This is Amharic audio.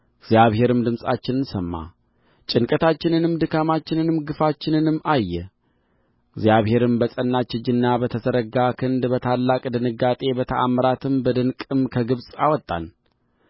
እግዚአብሔርም ድምፃችንን ሰማ ጭንቀታችንንም ድካማችንንም ግፋችንንም አየ እግዚአብሔርም በጸናች እጅና በተዘረጋ ክንድ በታላቅም ድንጋጤ በተአምራትም በድንቅም ከግብፅ አወጣን